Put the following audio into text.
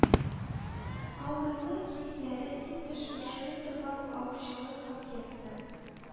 Каурыйлы киекләре иң еш очрый торган аучылык объекты